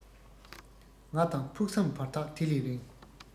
ང དང ཕུགས བསམ བར ཐག དེ ལས རིང